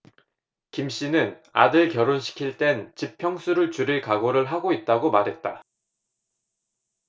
김씨는 아들 결혼시킬 땐 집 평수를 줄일 각오를 하고 있다고 말했다